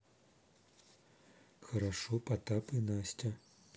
хорошо потап и настя